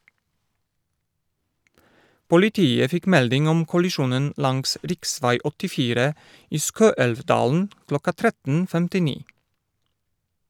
Politiet fikk melding om kollisjonen langs riksvei 84 i Skøelvdalen klokka 13.59.